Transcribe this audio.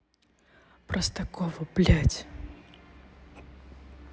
простакова блядь